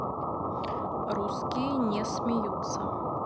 русские не смеются